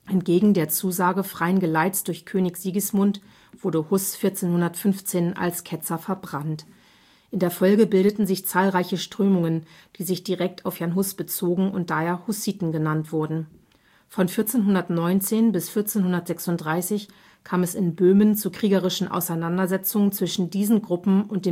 Entgegen der Zusage freien Geleits durch König Sigismund wurde Hus 1415 als Ketzer verbrannt. In der Folge bildeten sich zahlreiche Strömungen, die sich direkt auf Jan Hus bezogen und daher Hussiten genannt wurden. Von 1419 bis 1436 kam es in Böhmen zu kriegerischen Auseinandersetzungen zwischen diesen Gruppen und